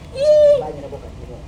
A ka